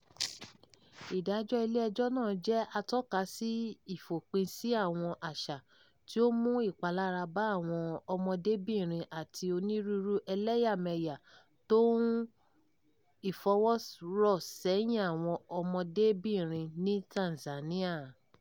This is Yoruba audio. Ìdájọ́ ilé ẹjọ́ náà jẹ́ atọ́ka sí ìfòpinsí àwọn àṣà tí ó ń mú ìpalára bá àwọn ọmọdébìnrin àti onírúurú ẹlẹ́yàmẹyà tòun ìfọwọ́rọ́sẹ́yìn àwọn ọmọdébìnrin ní Tanzania.